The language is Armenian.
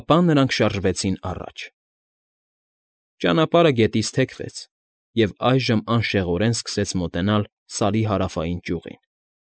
Ապա նրանք շարժվեցին առաջ։ Ճանապարհը գետից թեքվեց, և այժմ անշեղորեն սկսեց մոտենալ Սարի հարավային ճյուղին։